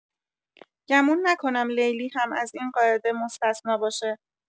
گمون نکنم لیلی هم از این قاعده مستثنی باشه.